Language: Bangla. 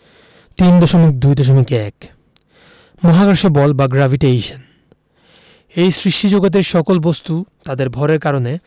৩.২.১ মহাকর্ষ বল বা গ্রেভিটেশন এই সৃষ্টিজগতের সকল বস্তু তাদের ভরের কারণে